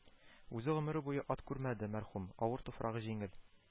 Үзе гомере буе ат күрмәде мәрхүм, авыр туфрагы җиңел